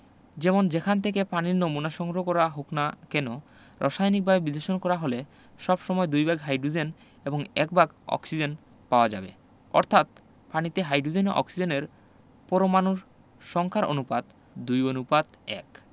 যেমন যেখান থেকেই পানির নমুনা সংগ্রহ করা হোক না কেন রসায়নিকভাবে বিশ্লেষণ করা হলে সব সময় দুই ভাগ হাইডোজেন এবং এক ভাগ অক্সিজেন পাওয়া যাবে অর্থাৎ পানিতে হাইডোজেন ও অক্সিজেনের পরমাণুর সংখ্যার অনুপাত২:১